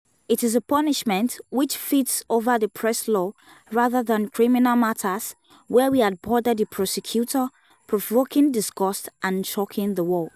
It is a punishment which fits over the press law rather than criminal matters where we had boarded the prosecutor, provoking disgust and shocking the world.